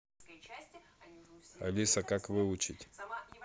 алиса как выучить